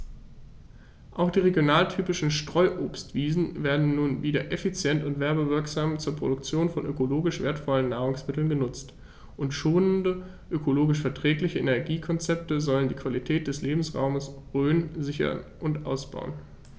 Auch die regionaltypischen Streuobstwiesen werden nun wieder effizient und werbewirksam zur Produktion von ökologisch wertvollen Nahrungsmitteln genutzt, und schonende, ökologisch verträgliche Energiekonzepte sollen die Qualität des Lebensraumes Rhön sichern und ausbauen.